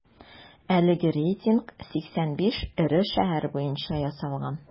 Әлеге рейтинг 85 эре шәһәр буенча ясалган.